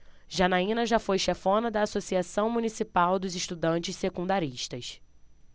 janaina foi chefona da ames associação municipal dos estudantes secundaristas